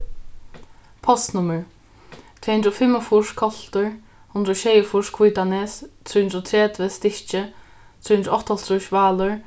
postnummur tvey hundrað og fimmogfýrs koltur hundrað og sjeyogfýrs hvítanes trý hundrað og tretivu stykkið trý hundrað og áttaoghálvtrýss válur